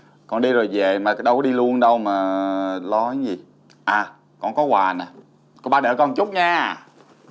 con đi rồi về mà đâu có đi luôn đâu mà lo cái gì à con có quà nè cô ba đợi con chút nha